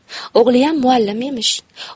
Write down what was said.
o'g'liyam muallim emish